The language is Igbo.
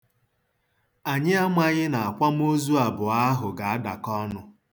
Anyị amaghị na akwamozu abụọ ahụ ga-adakọ ọnụ.